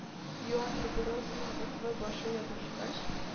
Юан папиросның утлы башы ябышкач,